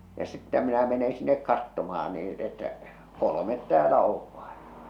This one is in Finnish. ja sitten minä menen sinne katsomaan niin että kolme täällä on vain